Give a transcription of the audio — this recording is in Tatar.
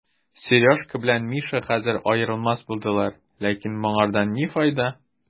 Сережка белән Миша хәзер аерылмас булдылар, ләкин моңардан ни файда?